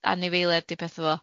anifeiliad di petha fo.